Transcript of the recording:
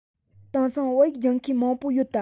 དེང སང བོད ཡིག སྦྱོང མཁན མང པོ ཡོད དམ